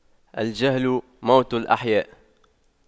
الجهل موت الأحياء